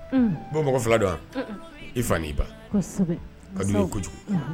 Unhun i b'o mɔgɔ 2 dɔn a un-un i fa n'i ba kɔsɛbɛ kad'i ye kojugu unhun